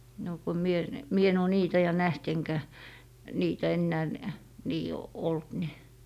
no kun minä ne minä en ole niitä ja nähnyt enkä niitä enää - niin ollut niin